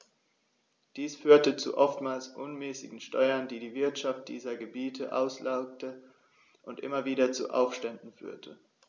Dies führte zu oftmals unmäßigen Steuern, die die Wirtschaft dieser Gebiete auslaugte und immer wieder zu Aufständen führte.